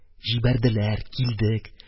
Җибәрделәр, килдек